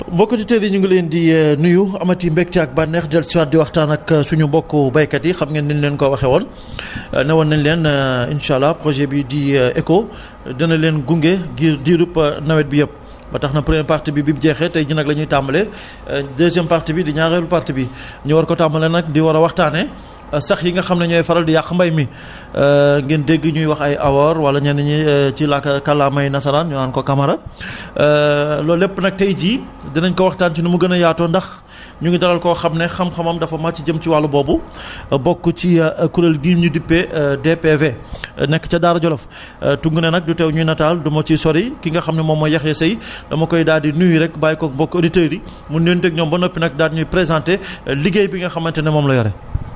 mbokku auditeurs yi ñu ngi leen di nuyu amati mbégte ak bànneex dellusiwaat di waxtaan ak suñu mbokku baykat yi xam ngeen ni ñu leen ko waxee woon newoon nañ leen insaa àllaa projet bii di ECHO dana leen gunge ngir diirub nawet bi yépp ba tax na première parie bi bim jeexee tay jii la ñuy tàmbale deuxième partie bi di ñaareelu partie bi ñu war ko tàmbale nag di war a waxtaanee sax yi nga xam ne ñooy faral di yàq mbay mi ngeen dégg ñuy wax ay awoor wala ñenn ñi ci lakk kàllaamay nasaraan ñu naan ko kamara loolu lépp nag tay jii dinañ ko waxtaan ci nu mu gën a yaatoo ndax ñu ngi dalal koo xam ne xam-xamam dafa màcc jëm ci wàll boobu bokk ci kuréel gii ñuy duppee DPV nekk ca Daara Djolof tungune nag du teew ñuy nataal du ma ci sori ki nga xam ne moom mooy Yakhya Seuye dama koy daal di nuyu rekk bàyyi koog mbokku auditeurs yi mu nuyonteeg ñoom ba noppi nag daal di ñu présenté liggéey bi nga xamante ne moom la yore